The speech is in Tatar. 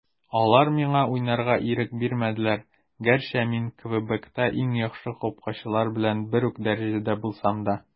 Алар миңа уйнарга ирек бирмәделәр, гәрчә мин Квебекта иң яхшы капкачылар белән бер үк дәрәҗәдә булсам да.